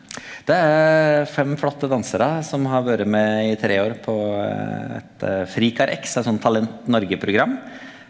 det er fem flotte dansarar som har vore med i tre år på et FRIKAR X som er eit sånt Talent Norge-program.